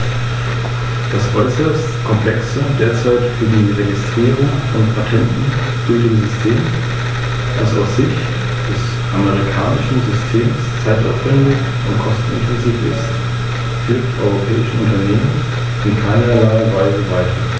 Was uns jedoch schwer zu schaffen macht, ist die Tatsache, dass die Gewährung von Unterstützung im Rahmen der Strukturfonds in gewisser Weise als Erfolg der Regierung verbucht wird.